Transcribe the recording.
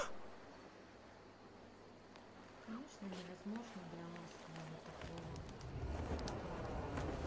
конечно невозможно для ласкового такого